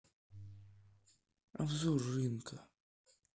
обзор рынка